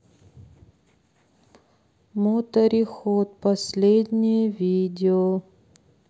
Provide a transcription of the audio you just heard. моторхед последнее видео